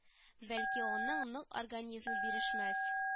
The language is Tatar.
Бәлки аның нык организмы бирешмәс